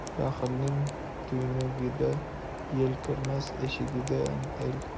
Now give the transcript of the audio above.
baxilning tuynugidan yel kirmas eshigidan el